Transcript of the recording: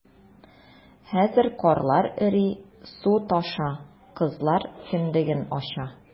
Хәзер карлар эри, су таша - кызлар кендеген ача...